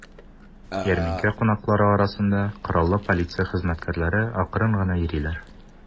Ярминкә кунаклары арасында кораллы полиция хезмәткәрләре акрын гына йөриләр.